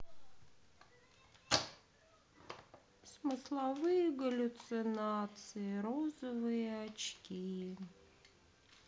смысловые галлюцинации розовые очки